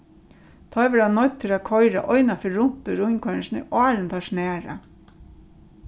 teir verða noyddir at koyra einaferð runt í rundkoyringini áðrenn teir snara